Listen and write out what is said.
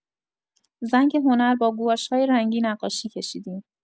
زنگ هنر با گواش‌های رنگی نقاشی کشیدیم.